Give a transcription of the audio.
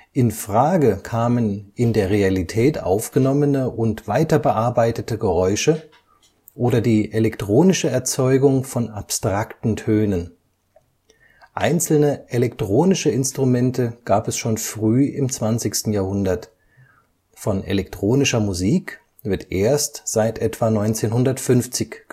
In Frage kamen in der Realität aufgenommene und weiterbearbeitete Geräusche oder die elektronische Erzeugung von abstrakten Tönen. Einzelne elektronische Instrumente gab es schon früh im 20. Jahrhundert, von elektronischer Musik wird erst seit etwa 1950